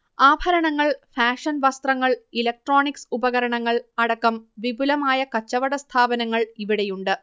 ആഭരണങ്ങൾ, ഫാഷൻ വസ്ത്രങ്ങൾ, ഇലക്ട്രോണിക്സ് ഉപകരണങ്ങൾ, അടക്കം വിപുലമായകച്ചവട സ്ഥാപനങ്ങൾ ഇവിടെയുണ്ട്